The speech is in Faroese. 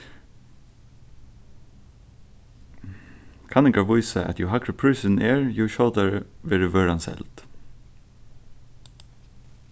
kanningar vísa at jú hægri prísurin er jú skjótari verður vøran seld